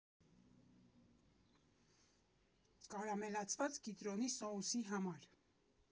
Կարամելացված կիտրոնի սոուսի համար.